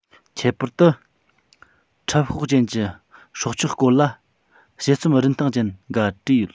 ཁྱད པར དུ ཁྲབ གཤོག ཅན གྱི སྲོག ཆགས སྐོར ལ དཔྱད རྩོམ རིན ཐང ཅན འགའ བྲིས ཡོད